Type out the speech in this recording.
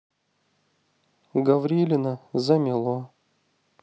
gavrilina замело